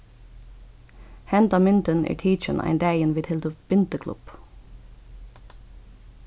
hendan myndin er tikin ein dagin vit hildu bindiklubb